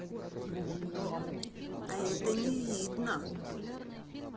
а это не видно